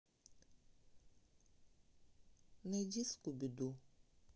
найди скуби ду